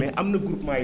mais am na goupement yi